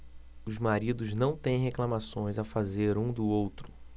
os maridos não têm reclamações a fazer um do outro